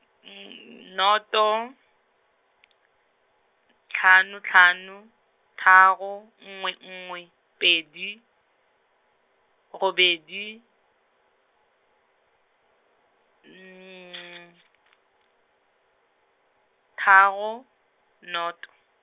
nnoto , tlhano tlhano, tharo, nngwe nngwe, pedi, robedi, tharo, nnoto.